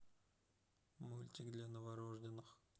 мультик для новорожденных